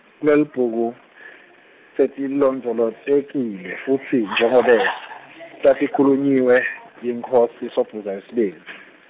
Kulelibhuku setilondvolotekile futsi njengobe tatikhulunyiwe yinkhosi Sobhuza wesibili.